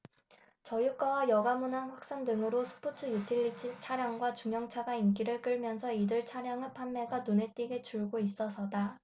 저유가와 여가문화 확산 등으로 스포츠유틸리티차량과 중형차가 인기를 끌면서 이들 차량의 판매가 눈에 띄게 줄고 있어서다